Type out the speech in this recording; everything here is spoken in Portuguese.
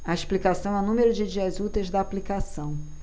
a explicação é o número de dias úteis da aplicação